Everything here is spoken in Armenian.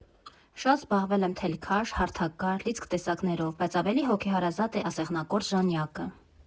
Շատ զբաղվել եմ թելքաշ, հարթակար, լիցք տեսակներով, բայց ավելի հոգեհարազատ է ասեղնագործ ժանյակը։